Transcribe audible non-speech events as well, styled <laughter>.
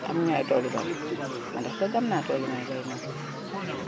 amuñu ay tool yu bari man de wax dëgg <crosstalk> am naa tool yu may bay man <crosstalk>